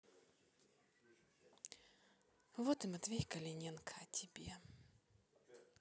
вот и матвей калиненко о тебе